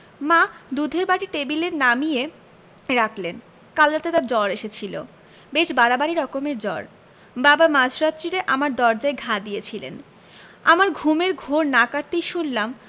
মা দুধের বাটি টেবিলে নামিয়ে রাখলেন কাল রাতে তার জ্বর এসেছিল বেশ বাড়াবাড়ি রকমের জ্বর বাবা মাঝ রাত্তিরে আমার দরজায় ঘা দিয়েছিলেন আমার ঘুমের ঘোর না কাটতেই শুনলাম